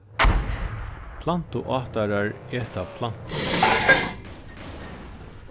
plantuátarar eta plantur